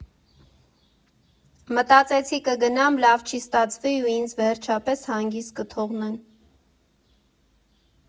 Մտածեցի կգնամ, լավ չի ստացվի ու ինձ վերջապես հանգիստ կթողեն։